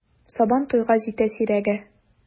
Сабан туйга җитә сирәге!